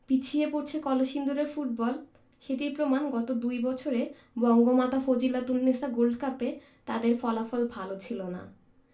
পিছিয়ে পড়ছে কলসিন্দুরের ফুটবল সেটির প্রমাণ গত দুই বছরে বঙ্গমাতা ফজিলাতুন্নেছা গোল্ড কাপে তাদের ফলাফল ভালো ছিল না